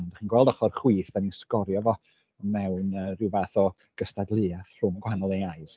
dach chi'n gweld ochr chwith dan ni'n sgorio fo mewn yy ryw fath o gystadleuaeth rhwng gwahanol AIs